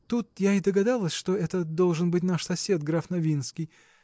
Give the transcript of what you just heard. Тут я и догадалась, что это должен быть наш сосед, граф Новинский.